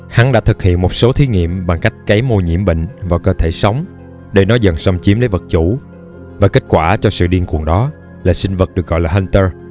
hắn đã thực hiện một số thí nghiệm bằng cách cấy mô nhiễm bệnh vào cơ thể sống để nó dần xâm chiếm lấy vật chủ và kết quả cho sự điên cuồng đó là sinh vật được gọi là hunter